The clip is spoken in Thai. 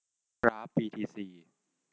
กราฟบีทีซี